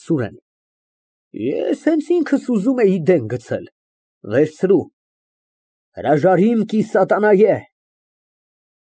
ՍՈՒՐԵՆ ֊ Ես հենց ինքս ուզում էի դեն գցել։ (Տալիս է) Վերցրու, հրաժարիմք ի սատանայե։ (Լռություն)։